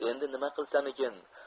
endi nima qilsamikin